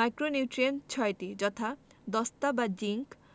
micronutrient 6টি যথা দস্তা বা জিংক Zn